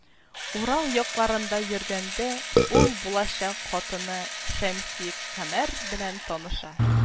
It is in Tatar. Урал якларында йөргәндә, ул булачак хатыны Шәмсикамәр белән таныша